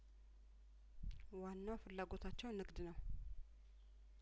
ዋናው ፍላጐታቸውንግድ ነው